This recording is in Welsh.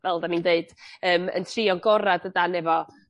fel 'dan ni'n deud yym yn trio'n gora' dydan efo